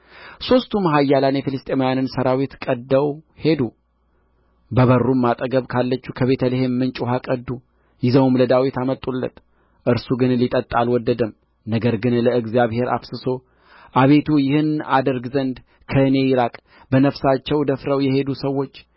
ሦስቱም ኃያላን የፍልስጥኤማውያንን ሠራዊት ቀድደው ሄዱ በበሩም አጠገብ ካለችው ከቤተ ልሔም ምንጭ ውኃ ቀዱ ይዘውም ለዳዊት አመጡለት እርሱ ግን ሊጠጣ አልወደደም ነገር ግን ለእግዚአብሔር አፍስሶ አቤቱ ይህን አደርግ ዘንድ ከእኔ ይራቅ በነፍሳቸው ደፍረው የሄዱ ሰዎች